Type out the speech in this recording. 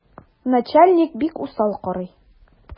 Начальник бик усал карый.